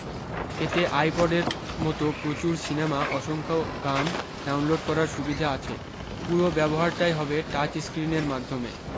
এতে আইপডের মত প্রচুর সিনেমা অসংখ্য গান ডাউনলোড করার সুবিধা আছে পুরো ব্যবহারটাই হবে টাচস্ক্রিণের মাধ্যমে